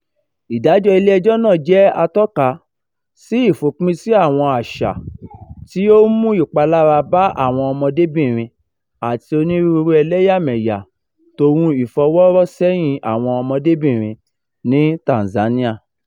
Ìdájọ́ ilé ẹjọ́ náà jẹ́ atọ́ka sí ìfòpinsí àwọn àṣà tí ó ń mú ìpalára bá àwọn ọmọdébìnrin àti onírúurú ẹlẹ́yàmẹyà tòun ìfọwọ́rọ́sẹ́yìn àwọn ọmọdébìnrin ní Tanzania.